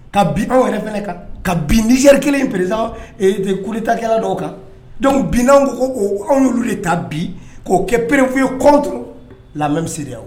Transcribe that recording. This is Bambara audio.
Ka bin anw yɛrɛ fana kan ka bindisri kelen in pere kutakɛla dɔw kan dɔnku bininaanw ko anwolu de ta bi k'o kɛ perefu ye kɔ lamɛn misiriya